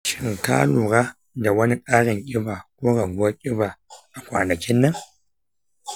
shin ka lura da wani ƙarin ƙiba ko raguwar kiba a kwanakin nan?